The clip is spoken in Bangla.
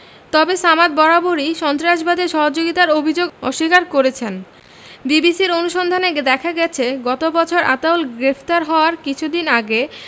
তবে সামাদ বারবারই সন্ত্রাসবাদে সহযোগিতার অভিযোগ অস্বীকার করছেন বিবিসির অনুসন্ধানে দেখা গেছে গত বছর আতাউল গ্রেফতার হওয়ার কিছুদিন আগে